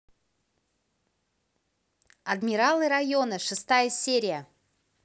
адмиралы района шестая серия